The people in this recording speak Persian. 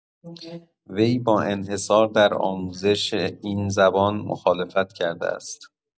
وی با انحصار در آموزش این زبان مخالفت کرده است!